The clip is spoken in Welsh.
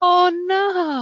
O na!